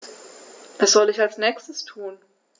Was soll ich als Nächstes tun?